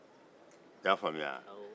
i y'a faamuya wa